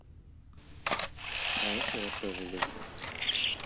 а это я тоже люблю